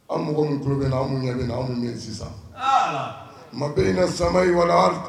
An mɔgɔ minnu tulo bɛ mun bɛna ye sisan mabe hinɛ samawa